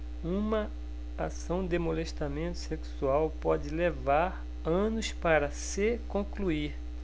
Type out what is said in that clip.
uma ação de molestamento sexual pode levar anos para se concluir